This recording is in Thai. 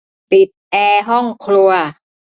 ปิดแอร์ห้องครัว